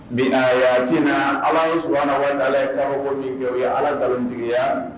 Bi aayatina na Alahu subuhana taala ye kabako min kɛ u ye Ala nkalontigiya.